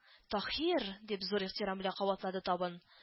— таһир! — дип зур ихтирам белән кабатлады табын